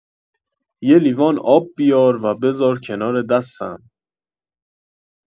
یه لیوان آب بیار و بذار کنار دستم